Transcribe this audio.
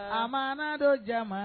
A ma dɔ jama